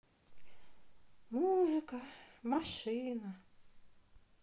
музыка машина